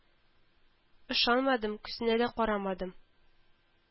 Ышанмадым, күзенә дә карамадым